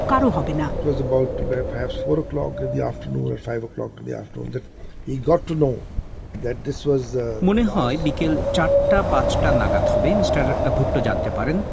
কারো হবে না it was about four o'clock in the afternoon or five o'clock in the afternoon he got to know that this was মনে হয় বিকাল চারটা পাঁচটা নাগাদ হবে মিস্টার ভুট্টো জানতে পারেন